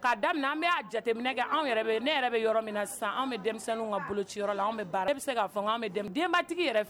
K'a daminɛ an bɛ'a jateminɛ kɛ anw yɛrɛ ne yɛrɛ bɛ yɔrɔ min na sisan anw bɛ denmisɛnnin ka bolo ci yɔrɔ la anw baara bɛ se ka an denbatigi yɛrɛ fɛ